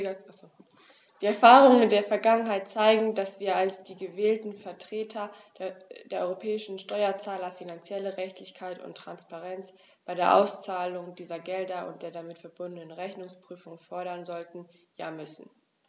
Die Erfahrungen der Vergangenheit zeigen, dass wir als die gewählten Vertreter der europäischen Steuerzahler finanzielle Redlichkeit und Transparenz bei der Auszahlung dieser Gelder und der damit verbundenen Rechnungsprüfung fordern sollten, ja müssen.